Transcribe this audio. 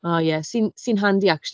O ie, sy'n sy'n handi acshyli.